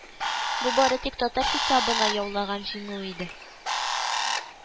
Бу бары тик татар хисабына яулаган җиңү иде